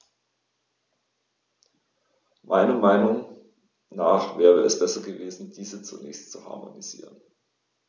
Meiner Meinung nach wäre es besser gewesen, diese zunächst zu harmonisieren.